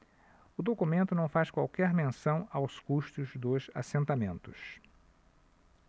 o documento não faz qualquer menção aos custos dos assentamentos